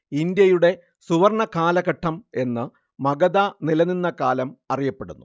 ഇന്ത്യയുടെ സുവര്‍ണ്ണ കാലഘട്ടം എന്ന് മഗധ നിലനിന്ന കാലം അറിയപ്പെടുന്നു